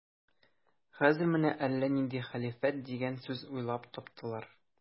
Хәзер менә әллә нинди хәлифәт дигән сүз уйлап таптылар.